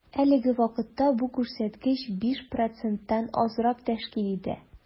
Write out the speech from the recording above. Әлеге вакытта бу күрсәткеч 5 проценттан азрак тәшкил итә.